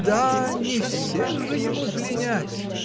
-- Да, не всех же ему пленять.